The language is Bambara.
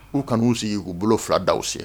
U kan'u sigi k'u bolo 2 da sen